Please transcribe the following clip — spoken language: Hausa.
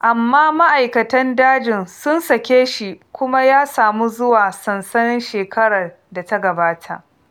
Amma ma'aikatan dajin sun sake shi kuma ya samu zuwa sansanin shekarar da ta gabata.